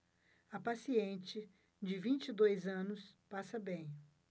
a paciente de vinte e dois anos passa bem